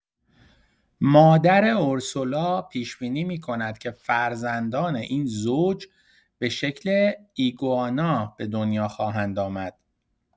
مادر اورسولا پیش‌بینی می‌کند که فرزندان این زوج به شکل ایگوانا به دنیا خواهند آمد.